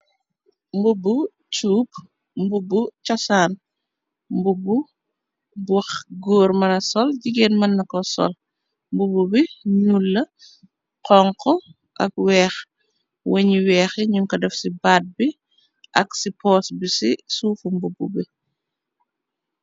Mbubbu chuub, mbubbu chosaan mbubbu bu góor mëna sol, jigéen mëna nako sol. mbubbu bi ñuul la, honko ak weeh. wañi yu weeh ñung ko daf ci baat bi ak ci poos bi ci suufu mbubbu bi.